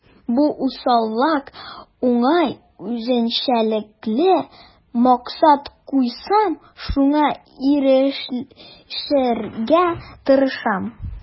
Бу усаллык уңай үзенчәлекле: максат куйсам, шуңа ирешергә тырышам.